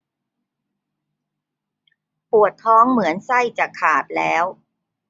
ปวดท้องเหมือนไส้จะขาดแล้ว